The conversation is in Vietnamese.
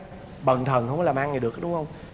bần thần lắm không có làm ăn được đúng không